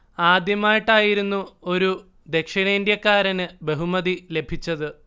ആദ്യമായിട്ടായിരുന്നു ഒരു ദക്ഷിണേന്ത്യക്കാരന് ബഹുമതി ലഭിച്ചത്